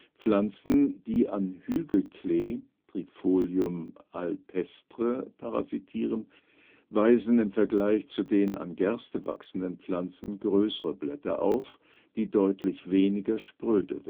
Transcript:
Pflanzen, die an Hügel-Klee (Trifolium alpestre) parasitieren, weisen im Vergleich zu den an Gerste wachsenden Pflanzen größere Blätter auf, die deutlich weniger spröde